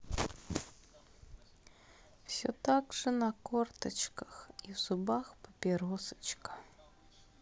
все так же на корточках и в зубах папиросочка